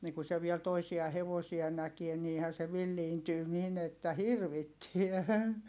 niin kun se vielä toisia hevosia näki niinhän se villiintyi niin että hirvittää